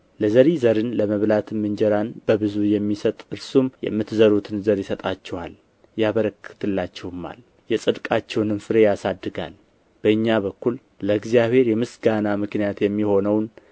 ለዘሪ ዘርን ለመብላትም እንጀራን በብዙ የሚሰጥ እርሱም የምትዘሩትን ዘር ይሰጣችኋል ያበረክትላችሁማል የጽድቃችሁንም ፍሬ ያሳድጋል በእኛ በኩል ለእግዚአብሔር የምስጋና ምክንያት የሚሆነውን